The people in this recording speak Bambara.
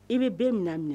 I bɛ bɛn minɛ minɛ